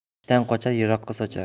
ishdan qochar yiroqqa sochar